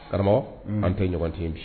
Karamɔgɔ, Unhun, an tɛ ɲɔgɔn to yen bi.